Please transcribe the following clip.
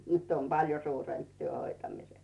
nyt on paljon suurempi työ hoitamisessa